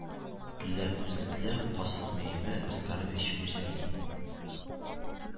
Ле, күзлекле каськ мееме оскарович үзе ни